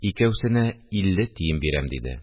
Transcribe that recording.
– икәүсенә илле тиен бирәм, – диде